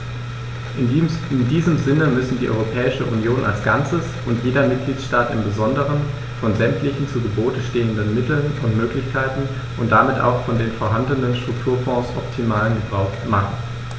In diesem Sinne müssen die Europäische Union als Ganzes und jeder Mitgliedstaat im Besonderen von sämtlichen zu Gebote stehenden Mitteln und Möglichkeiten und damit auch von den vorhandenen Strukturfonds optimalen Gebrauch machen.